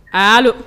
Allo